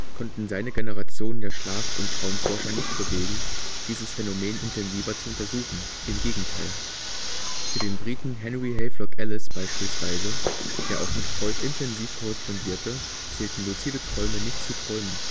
konnten seine Generation der Schlaf - und Traumforscher nicht bewegen, dieses Phänomen intensiver zu untersuchen – im Gegenteil. Für den Briten Henry Havelock Ellis beispielsweise, der auch mit Freud intensiv korrespondierte, zählten luzide Träume nicht zu Träumen